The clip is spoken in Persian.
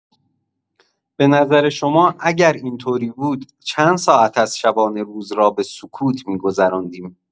به نظر شما اگر اینطوری بود چند ساعت از شبانه‌روز را به سکوت می‌گذراندیم.